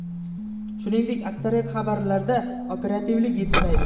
shuningdek aksariyat xabarlarda operativlik yetishmaydi